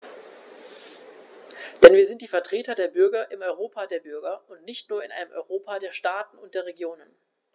Denn wir sind die Vertreter der Bürger im Europa der Bürger und nicht nur in einem Europa der Staaten und der Regionen.